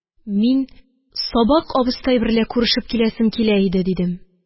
Мин: – Сабак абызтай берлә күрешеп киләсем килә иде, – дидем